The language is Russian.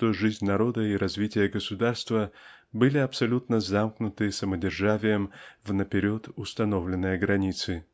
что жизнь народа и развитие государства были абсолютно замкнуты самодержавием в наперед установленные границы.